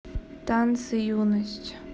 танцы юность